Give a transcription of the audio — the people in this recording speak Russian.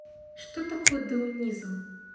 что такое даунизм